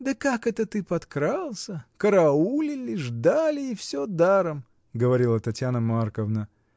— Да как это ты подкрался: караулили, ждали и всё даром! — говорила Татьяна Марковна.